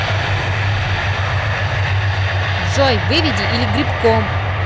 джой выведи или грибком